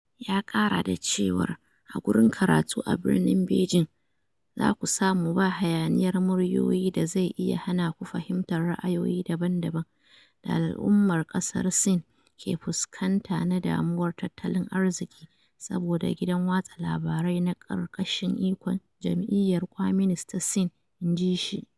Ya kara da cewar, "a gurin karatu a birnin Beijing, za ku samu ba hayaniyar muryoyi da zai iya hanaku fahimtar ra’ayoyi daban-daban da al'ummar kasar Sin ke fuskanta na damuwar tatalin arziki, saboda gidan watsa labarai na karkashin ikon Jam'iyyar Kwaminis ta Sin, "in ji shi.